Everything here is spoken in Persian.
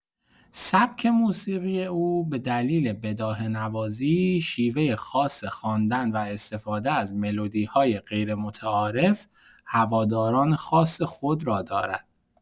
سبک موسیقی او به دلیل بداهه‌نوازی، شیوه خاص خواندن و استفاده از ملودی‌های غیرمتعارف، هواداران خاص خود را دارد.